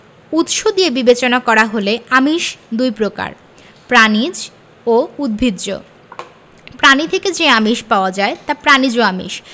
উৎস দিয়ে বিবেচনা করা হলে আমিষ দুই প্রকার প্রাণিজ ও উদ্ভিজ্জ প্রাণী থেকে যে আমিষ পাওয়া যায় তা প্রাণিজ আমিষ